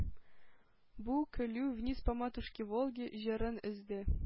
Бу көлү “Вниз по матушке по Волге“ җырын өзде.